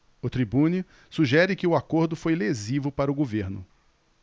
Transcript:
o tribune sugere que o acordo foi lesivo para o governo